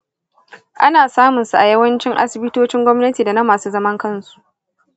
ana samun sa a yawancin asibitocin gwamnati da na masu zaman kansu.